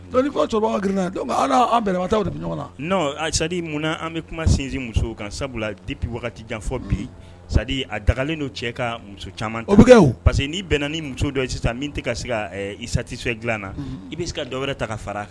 Dɔn fɔ cɛkɔrɔba an bɛrɛbagaw de bɛ ɲɔgɔn na n'o ayisadi munna an bɛ kuma sinsin muso ka sabula di bi wagati jan fɔ bi a dagalen don cɛ ka muso caman o bɛ kɛ parce que ni bɛnna ni muso dɔ ye sisan min ka se isatiso dila na i bɛ se ka dɔwɛrɛ ta ka fara kan